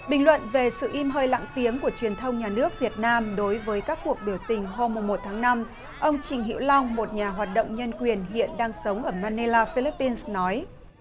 bình luận về sự im hơi lặng tiếng của truyền thông nhà nước việt nam đối với các cuộc biểu tình hôm mùng một tháng năm ông trịnh hữu long một nhà hoạt động nhân quyền hiện đang sống ở ma nê la phi líp pin nói